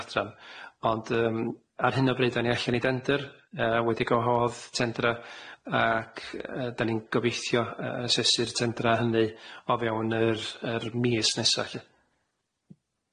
adran ond yym ar hyn o bryd a ni allan i dendyr yy wedi gwahodd tendra ac yy yy dan ni'n gobeithio yy asesu'r tendra hynny o fewn yr yr mis nesa lly,